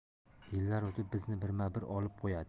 yillar o'tib bizni birma bir olib qo'yadi